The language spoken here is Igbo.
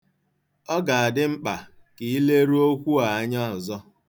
Ọ ga-adị mkpa ka anyị leruo n'okwu a anya ọzọ.